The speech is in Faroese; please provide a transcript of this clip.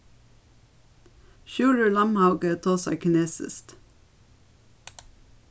sjúrður lamhauge tosar kinesiskt